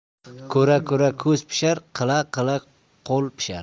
ko'ra ko'ra ko'z pishar qila qila qo'l pishar